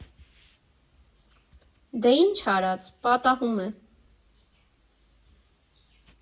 Դե ի՞նչ արած՝ պատահում է։